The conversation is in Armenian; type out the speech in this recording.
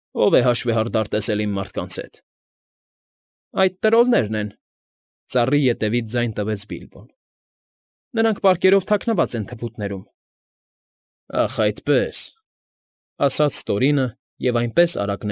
Ո՞վ է հաշվեհարդար տեսել իմ մարդկանց հետ։ ֊ Այդ տրոլներն են,֊ ծառի ետևից ձայն տվեց Բիլբոն։֊ Նրանք պարկերով թաքնված են թփուտներում։ ֊ Ախ այդպե՜ս,֊ ասաց Տորինը և այնպես արագ։